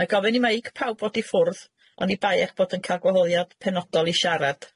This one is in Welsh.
Mae gofyn i meic pawb fod i ffwrdd on i bai eich bod yn ca'l gwahoddiad penodol i siarad.